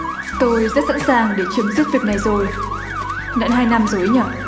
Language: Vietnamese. tôi rất sẵn sàng để chấm dứt việc này rồi đã hai năm rồi ấy nhở